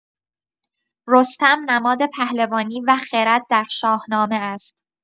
رستم نماد پهلوانی و خرد در شاهنامه است.